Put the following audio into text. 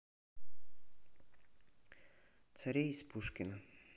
царей из пушкина